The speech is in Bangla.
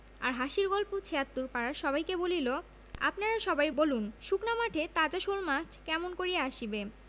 আর হাসির গল্প ৭৬ পাড়ার সবাইকে বলিল আপনারা সবাই বলুন শুকনা মাঠে তাজা শোলমাছ কেমন করিয়া আসিবে